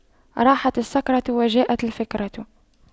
راحت السكرة وجاءت الفكرة